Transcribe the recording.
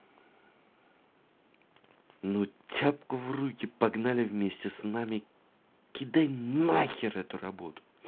ну тяпку в руки погнали вместе с нами китай нахер эту работу